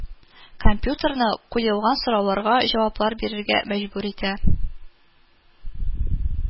Компьютерны куелган сорауларга җаваплар бирергә мәҗбүр итә